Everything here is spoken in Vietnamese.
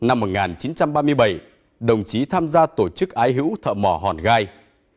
năm một ngàn chín trăm ba mươi bảy đồng chí tham gia tổ chức ái hữu thợ mỏ hòn gai